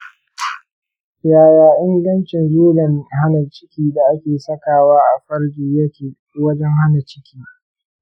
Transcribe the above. yaya ingancin zoben hana ciki da ake sakawa a farji yake wajen hana ciki?